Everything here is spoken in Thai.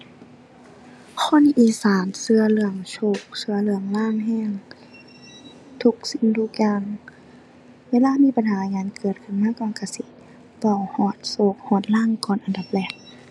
บางคนเขามักเฮ็ดช่องเกี่ยวกับให้ความรู้ ก็รู้สึกว่ามีประโยชน์อยู่